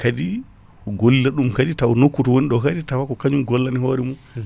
kaadi golla ɗum kaadi taw nokku to woni ɗo kaadi tawa ko kañum gollani hoore mum